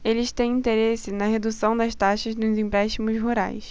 eles têm interesse na redução das taxas nos empréstimos rurais